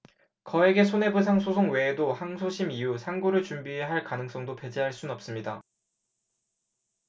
거액의 손해배상 소송 외에도 항소심 이후 상고를 준비해야 할 가능성도 배제할 순 없습니다